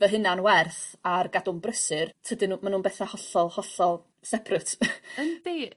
fy hunan werth ar gadw'n brysur tydyn nw ma' nw'n bethau hollol hollol seperate. Yndi.